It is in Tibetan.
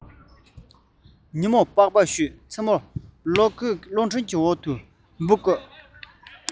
ཉིན དཀར པགས པ བཤུས མཚན མོར གློག སྒྲོན འོག ཏུ འབུ བརྐོས